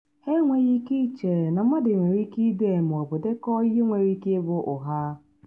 Ha enwgheghị ike ịche na mmadụ nwere ike ịde maọbụ dekọọ ihe nwere ịke ịbụ ụgha.